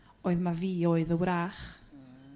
oedd ma' fi oedd y wrach.